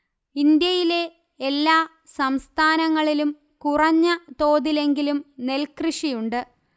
ഇന്ത്യയിലെ എല്ലാ സംസ്ഥാനങ്ങളിലും കുറഞ്ഞ തോതിലെങ്കിലും നെൽക്കൃഷിയുണ്ട്